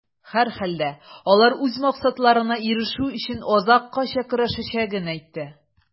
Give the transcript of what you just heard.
Һәрхәлдә, алар үз максатларына ирешү өчен, азаккача көрәшәчәген әйтә.